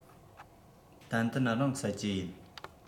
ཏན ཏན རང བསད ཀྱི ཡིན